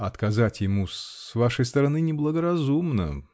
отказать ему, с вашей стороны -- неблагоразумно